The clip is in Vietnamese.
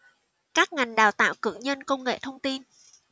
các ngành đào tạo cử nhân công nghệ thông tin